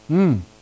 `